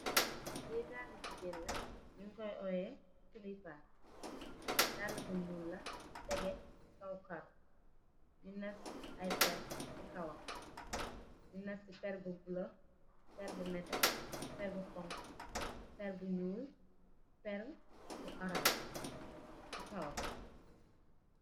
Li daali jigeen la nyu koi oyeh silipas daal bu nuul la teke si kaw karo nyu nass ay perr si kawam nyu nass si perr bu bulo perr bu neteh perr bu xonxa perr bu nuul perr bu orance si kawam.